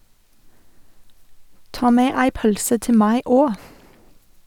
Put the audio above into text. Ta med ei pølse til meg òg!